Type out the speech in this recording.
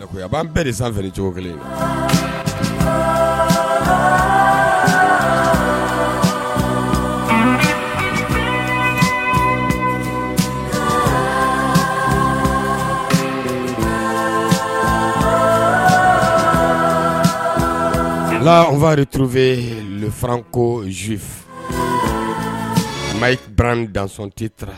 A b an bɛɛ feere cogo kelen wa nka nfari tu bɛ faranko zu ma bara danti tarawele